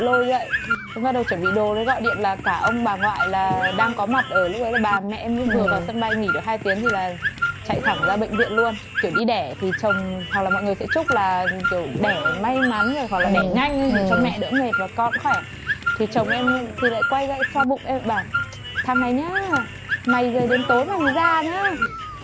lôi dậy thế bắt đầu chuẩn bị đồ mới gọi điện là cả ông bà ngoại là đang có mặt ở lúc ấy là bà mẹ mới vừa vào sân bay nghỉ được hai tiếng thì là chạy thẳng ra bệnh viện luôn kiểu đi đẻ thì chồng hoặc là mọi người sẽ chúc là kiểu đẻ may mắn rồi hoặc là đẻ nhanh lên cho mẹ đỡ mệt và con cũng khỏe thì chồng em thì lại quay ra lại xoa bụng em lại bảo thằng này nhá mày giờ đến tối mày mới ra nhá